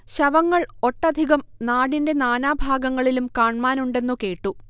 ശവങ്ങൾ ഒട്ടധികം നാടിന്റെ നാനാഭാഗങ്ങളിലും കാൺമാനുണ്ടെന്നു കേട്ടു